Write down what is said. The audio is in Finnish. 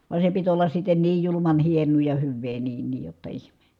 vaan se piti olla sitten niin julman hienoa ja hyvää niin niin jotta ihme